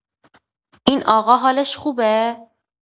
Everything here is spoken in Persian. این آقا حالش خوبه؟